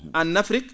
en Afrique